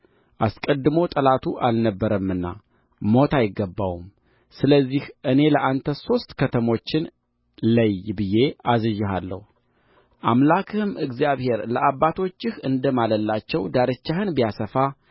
አስቀድሞ ጠላቱ አልነበረምና ሞት አይገባውም ስለዚህ እኔ ለአንተ ሦስት ከተሞችን ለይ ብዬ አዝዤሃለሁ አምላክህም እግዚአብሔር ለአባቶችህ እንደ ማለላቸው ዳርቻህን ቢያሰፋ